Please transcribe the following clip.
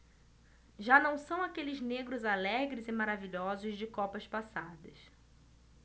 já não são aqueles negros alegres e maravilhosos de copas passadas